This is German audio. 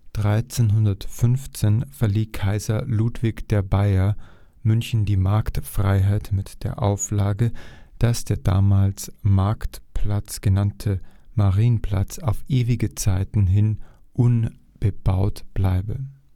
1315 verlieh Kaiser Ludwig der Bayer München die Marktfreiheit mit der Auflage, dass der damals Marktplatz genannte Marienplatz „ auf ewige Zeiten “hin unbebaut bleibe